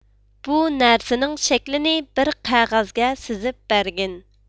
بۇ نەرسىنىڭ شەكلىنى بىر قەغەزگە سىزىپ بەرگىن